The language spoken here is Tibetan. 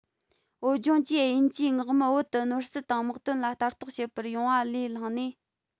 བོད ལྗོངས ཀྱིས དབྱིན ཇིའི མངགས མི བོད དུ ནོར སྲིད དང དམག དོན ལ ལྟ རྟོག བྱེད པར ཡོང བ ལས བླངས ནས